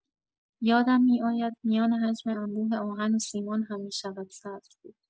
یادم می‌آید میان حجم انبوه آهن و سیمان هم می‌شود سبز بود.